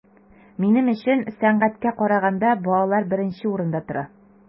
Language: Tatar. Минем өчен сәнгатькә караганда балалар беренче урында тора.